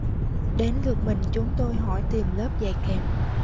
đến lượt mình chúng tôi hỏi tìm lớp dạy kèm